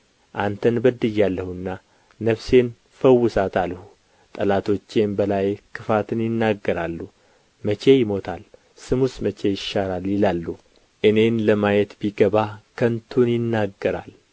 አንተን በድያለሁና ነፍሴን ፈውሳት አልሁ ጠላቶቼም በላዬ ክፋትን ይናገራሉ መቼም ይሞታል ስሙስ መቼ ይሻራል ይላሉ እኔን ለማየት ቢገባ ከንቱን ይናገራል